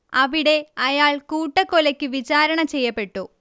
അവിടെ അയാൾ കൂട്ടക്കൊലയ്ക്ക് വിചാരണ ചെയ്യപ്പെട്ടു